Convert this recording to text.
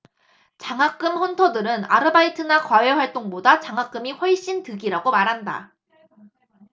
장학금 헌터들은 아르바이트나 과외 활동보다 장학금이 훨씬 득이라고 말한다